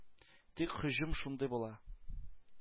Тик “һөҗүм” шундый була